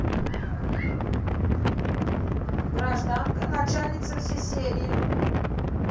гражданка начальница все серии